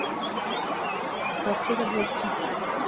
квартира двести